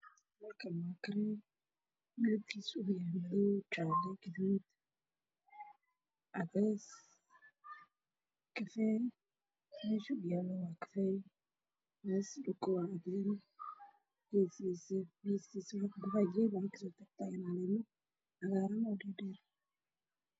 Wa sawir xayeysiis waxaa ii muuqda saliid cagaar ku jiro ii saaran geed midabkeedu yahay cadaan